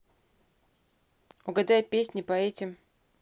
угадай песни по этим